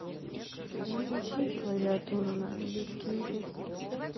переключи клавиатуру на английский язык